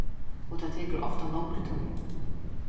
og tað tekur ofta longri tíð